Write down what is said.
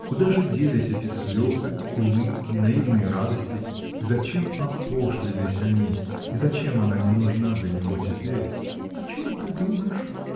Куда же делись эти слезы, улыбки, наивные радости, и зачем опошлились они, и зачем она не нужна для него теперь?. — О чем ты думаешь?